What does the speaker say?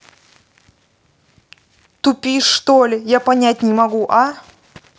тупишь что ли я понять не могу а